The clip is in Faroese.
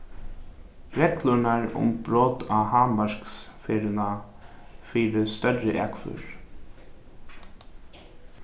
reglurnar um brot á hámarksferðina fyri størri akfør